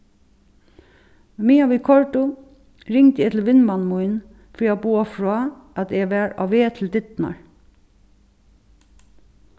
meðan vit koyrdu ringdi eg til vinmann mín fyri at boða frá at eg var á veg til dyrnar